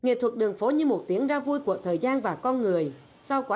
nghệ thuật đường phố như một tiếng reo vui của thời gian và con người sau quá